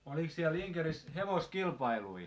oliko siellä Inkerissä hevoskilpailuja